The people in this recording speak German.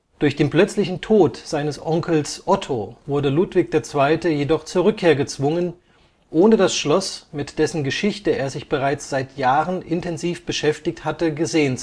Durch den plötzlichen Tod seines Onkels Otto wurde Ludwig II. jedoch zur Rückkehr gezwungen, ohne das Schloss, mit dessen Geschichte er sich bereits seit Jahren intensiv beschäftigt hatte, gesehen